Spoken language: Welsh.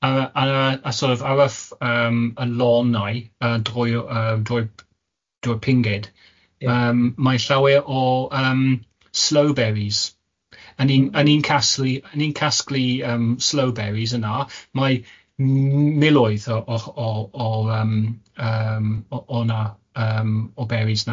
Ar y ar y a sort of ar y f- yym y lonau yy drwy yy drwy drwy'r pinged, yym mae llawer o yym slowberries, a ni'n a ni'n casglu a ni'n casglu yym slowberries yna, mae miloedd o o o o yym yym o o yna yym o berries na.